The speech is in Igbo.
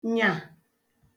nyà